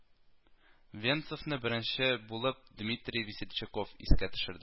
Венцовны беренче булып Дмитрий Весельчаков искә төшерд